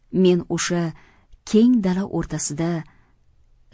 men o'sha keng dala o'rtasida